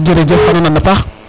jerejef xana nana paax